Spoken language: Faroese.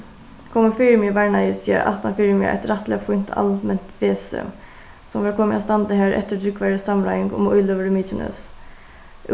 komin fyri meg varnaðist eg aftan fyri meg eitt rættiliga fínt alment vesi sum var komið at standa har eftir drúgvari samráðing um íløgur í mykines